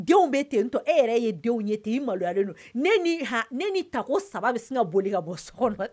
Denw bɛ nt to e yɛrɛ ye denw ye ten malo ne ta ko saba bɛ sin ka boli ka bɔ so kɔnɔ